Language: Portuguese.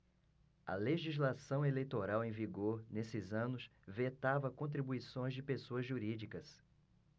a legislação eleitoral em vigor nesses anos vetava contribuições de pessoas jurídicas